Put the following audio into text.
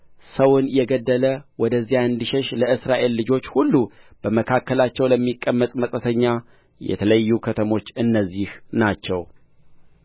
ሰውን የገደለ ወደዚያ እንዲሸሽ ለእስራኤል ልጆች ሁሉ በመካከላቸውም ለሚቀመጥ መጻተኛ የተለዩ ከተሞች እነዚህ ናቸው